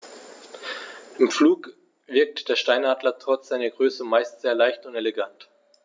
Im Flug wirkt der Steinadler trotz seiner Größe meist sehr leicht und elegant.